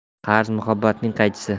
qarz muhabbatning qaychisi